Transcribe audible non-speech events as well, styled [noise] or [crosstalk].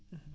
[hesitation] [hesitation]